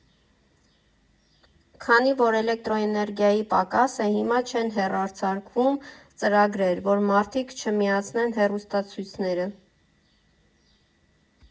Քանի որ էլեկտրոէներգիայի պակաս է, հիմա չեն հեռարձակում ծրագրեր, որ մարդիկ չմիացնեն հեռուստացույցները։